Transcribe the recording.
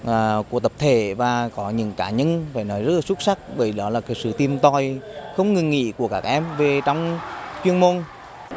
à của tập thể và có những cá nhân phải nói rất là xuất sắc bởi đó là sự tìm tòi không ngừng nghỉ của các em về trong chuyên môn